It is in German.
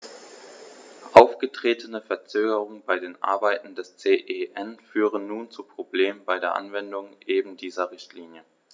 Aufgetretene Verzögerungen bei den Arbeiten des CEN führen nun zu Problemen bei der Anwendung eben dieser Richtlinie.